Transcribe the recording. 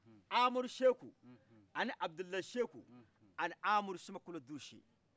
amadu seku ani abudulayi seku ani amadu samakolo dursi